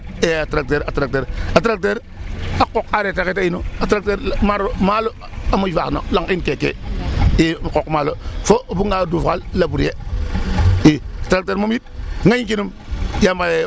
EE a tracteur a tracteur a tracteur a qooq taxee ta inu a tracteur maalo a moƴ faax no lanq in keeke i a qooq maalo fo o buganga duuf xaal labourer i a tracteur moom it xaƴkinum.